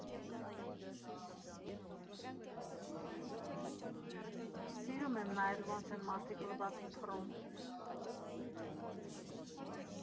Սիրում եմ նայել՝ ոնց են մարդիկ լվացք փռում։